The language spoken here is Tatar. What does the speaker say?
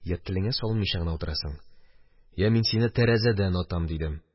– йә телеңә салынмыйча гына утырасың, йә мин сине тәрәзәдән атам, – дидем.